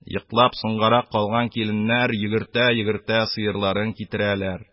Йоклап соңгарак калган киленнәр йөгертә-йөгертә сыерларын китерәләр.